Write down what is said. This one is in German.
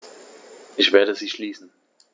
Ich werde sie schließen.